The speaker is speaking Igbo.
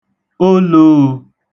olōō